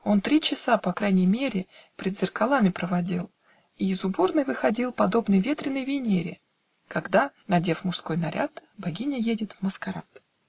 Он три часа по крайней мере Пред зеркалами проводил И из уборной выходил Подобный ветреной Венере, Когда, надев мужской наряд, Богиня едет в маскарад.